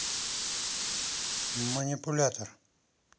манипулятор